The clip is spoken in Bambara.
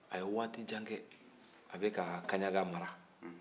a ye waati jan kɛ a bɛ ka kaɲaga mara